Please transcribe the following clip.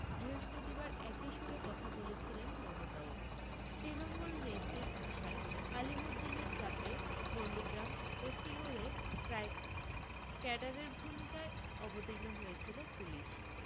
বৃহস্পতিবার একি সুরে কথা বলেছিলেন মমতাও তৃণমূল নেত্রীর ভাষায় আলিমুদ্দিনের চাপে নন্দীগ্রাম ও সিঙ্গুরে প্রায় ক্যাডারের ভূমিকায় অবতীর্ণ হয়েছিলো পুলিশ